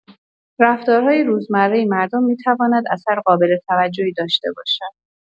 رفتارهای روزمره مردم می‌تواند اثر قابل‌توجهی داشته باشد.